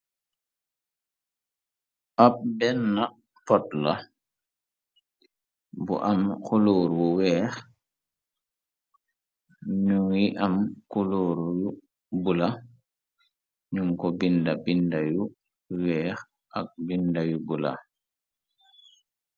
Ab benn potla bu am koloor wu weex nu ngi am koloor yu bu la ñum ko binda binda yu weex ak bindayu bula.